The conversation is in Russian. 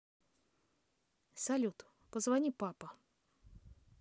салют позвони папа